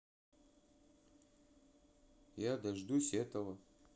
я дождусь этого